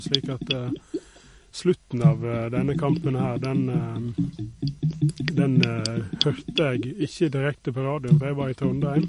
Slik at slutten av denne kampen her, den den hørte jeg ikke direkte på radioen, for jeg var i Trondheim.